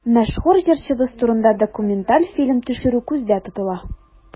Мәшһүр җырчыбыз турында документаль фильм төшерү күздә тотыла.